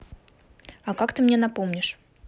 а как ты мне напомнишь